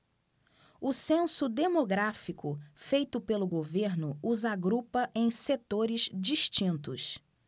o censo demográfico feito pelo governo os agrupa em setores distintos